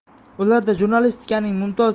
ularda jurnalistikaning mumtoz